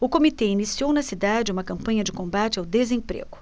o comitê iniciou na cidade uma campanha de combate ao desemprego